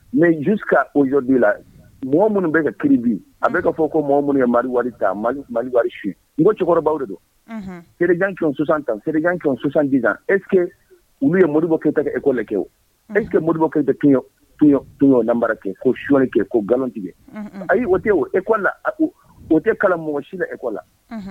Mɛju ka o la mɔgɔ minnu bɛ ka kibi an bɛka ka fɔ ko mɔgɔ minnu ye mali tan mali su n ko cɛkɔrɔbaw don kejansan tansan eske olu ye moribakɛ ta eko lakɛ eke moribakɛ tɛɔn nakɛ koɔn kɛ ko nkalontigɛ ayi o tɛ eko la a o tɛ kala mɔgɔ si eko la